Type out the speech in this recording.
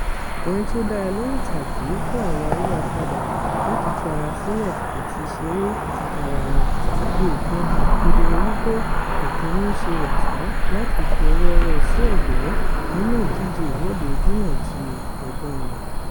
Orin tí ó dára lórí ìtàgé fún àwọn ayírapadà láti tú ara sílẹ̀ àti “ṣeré tìkára wọn”, lè fi hàn kedere wípé kò kì í ń ṣe wàsá láti fi ọwọ́ rọ́ sí ẹ̀gbẹ́ nínú ìdíje Ìwọ́de Ojúnà ti ọdún nìí.